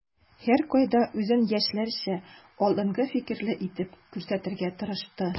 Һәркайда үзен яшьләрчә, алдынгы фикерле итеп күрсәтергә тырышты.